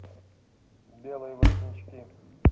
белые воротнички